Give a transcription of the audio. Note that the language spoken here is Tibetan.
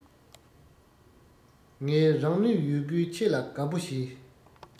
ངས རང ནུས ཡོད རྒུས ཁྱེད ལ དགའ པོ བྱས